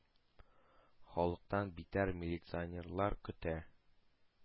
Халыктан битәр милиционерлар көтә.